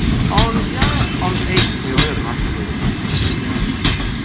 Ond yes ond, ei, pwy a ŵyr? Falle blwyddyn nesa' fydda i ar Drag Race.